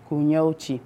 K'u yaw ci